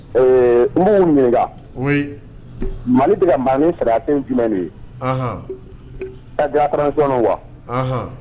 Ɛɛ mori minɛ mali bɛ ban ni sariya jumɛn nin ye kakransina wa